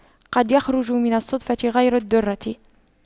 قد يخرج من الصدفة غير الدُّرَّة